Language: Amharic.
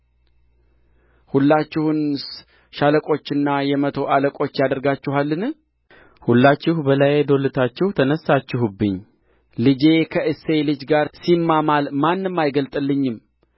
ሁላችሁንስ ሻለቆችና የመቶ አለቆች ያደርጋችኋልን ሁላችሁ በላዬ ዶልታችሁ ተነሣችሁብኝ ልጄ ከእሴይ ልጅ ጋር ሲማማል ምንም አይገልጥልኝም